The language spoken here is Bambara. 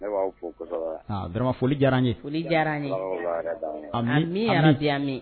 Ne baw fo kosɛbɛ. vraiment foli diyara an ye. Ala ka wula hɛrɛ dan ma. Ami ami